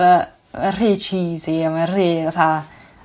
Yy y rhei cheesy a ma' rhei fatha